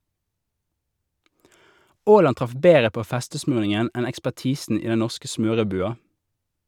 Aaland traff bedre på festesmurningen enn ekspertisen i den norske smørebua.